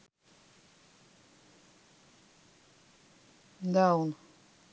down